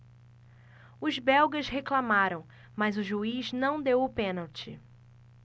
os belgas reclamaram mas o juiz não deu o pênalti